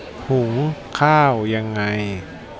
หุงข้าวยังไง